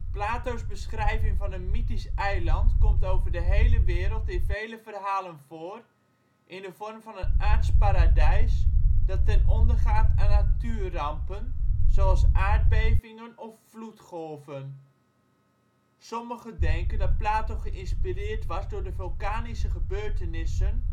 Plato 's beschrijving van een mythisch eiland komt over de hele wereld in vele verhalen voor, in de vorm van een aards paradijs, dat ten ondergaat aan natuurrampen, zoals aardbevingen of vloedgolven. Sommigen denken dat Plato geïnspireerd was door de vulkanische gebeurtenissen